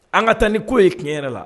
An ka taa ni ko' ye tiɲɛ yɛrɛ la